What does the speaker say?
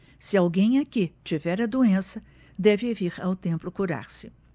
se alguém aqui tiver a doença deve vir ao templo curar-se